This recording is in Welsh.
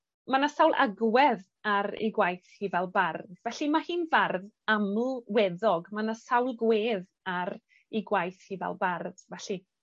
ma' 'na sawl agwedd ar ei gwaith hi fel bardd, felly ma' hi'n fardd aml weddog ma' 'na sawl gwedd ar 'i gwaith hi fel bardd felly.